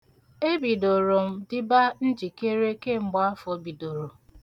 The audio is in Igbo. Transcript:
Ebidoro m diba njikere kemgbe afọ bidoro.